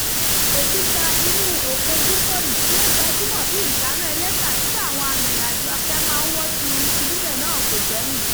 Òkúta inú òkun Buccoo Reef tí o gbajúmọ̀ bí ìṣáná ẹlẹ́ta tí àwọn arìnrìn-àjò afẹ́ máa ń wọ́ tùùrùtù níbẹ̀ náà kò gbẹ́yìn.